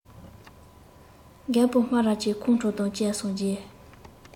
རྒད པོ སྨ ར ཅན ཁོང ཁྲོ དང བཅས སོང རྗེས